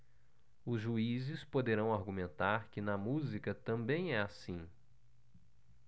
os juízes poderão argumentar que na música também é assim